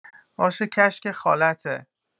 آش کشک خالته!